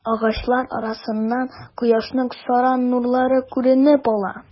Агачлар арасыннан кояшның саран нурлары күренеп ала.